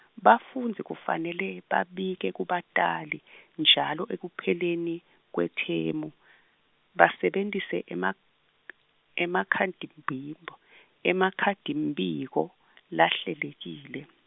bafundzisi kufanele babike kubatali, njalo ekupheleni, kwethemu, basebentise emak- emakhadimbiko, emakhadimbiko, lahlelekile.